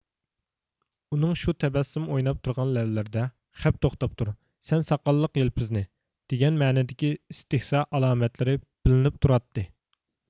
ئۇنىڭ شۇ تەبەسسۇم ئويناپ تۇرغان لەۋلىرىدە خەپ توختاپ تۇر سەن ساقاللىق يىلپىزنى دېگەن مەنىدىكى ئىستىھزا ئالامەتلىرى بىلىنىپ تۇراتتى